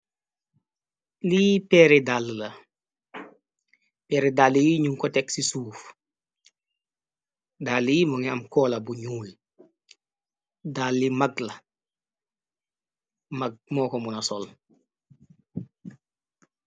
lii tare dal la peere dall yi ñu koteg ci suuf dalliy mo ngi am coola bu ñuul dalli mag la mamooko muna sol